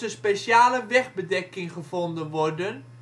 speciale wegbedekking gevonden worden